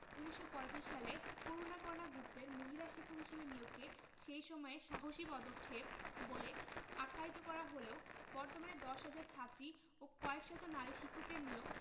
১৯৩৫ সালে করুণাকণা গুপ্তের মহিলা শিক্ষক হিসেবে নিয়োগকে সেই সময়ে সাহসী পদক্ষেপ বলে আখ্যায়িত করা হলেও বর্তমানে ১০ হাজার ছাত্রী ও কয়েক শত নারী শিক্ষকের নিয়োগ